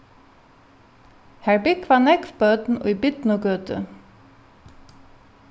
har búgva nógv børn í birnugøtu